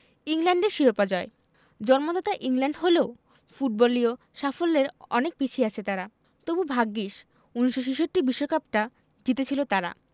ইংল্যান্ডের শিরোপা জয় জন্মদাতা ইংল্যান্ড হলেও ফুটবলীয় সাফল্যে অনেক পিছিয়ে তারা তবু ভাগ্যিস ১৯৬৬ বিশ্বকাপটা জিতেছিল তারা